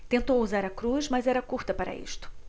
tentou usar a cruz mas era curta para isto